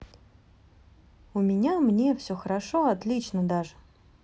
у меня мне все хорошо отлично даже